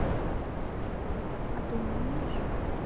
а ты умеешь